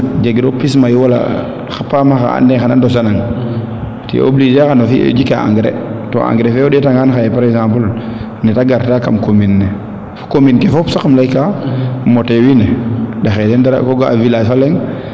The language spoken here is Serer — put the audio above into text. jegiro pis mayu wala xa paana xa ando naye xana ndosa nang tu es obligé xano jik engrais to engrais fe xaye o ndeeta ngaan par exemple neete garta kam commune ne fo commune ke fop sax im leykaa motee wiin we ɗaxe den dara ko ga'a village fa leŋ